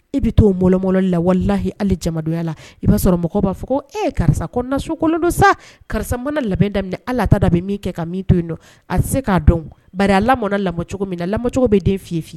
I bɛ to'o bolokolonlɔ lawalelahi halijaya la i b'a sɔrɔ mɔgɔw b'a fɔ e karisa kɔnɔna sukolon don sa karisa mana labɛn daminɛ ala lata da bɛ min kɛ ka min to yen don a se k'a dɔn ba la mɔn lacogo min na lacogo bɛ den f' fɔi